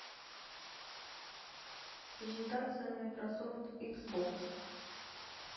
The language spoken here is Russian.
презентация майкрософт икс бокс